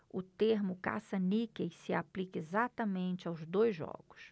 o termo caça-níqueis se aplica exatamente aos dois jogos